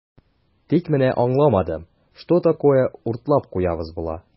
Тик менә аңламадым, что такое "уртлап куябыз" була?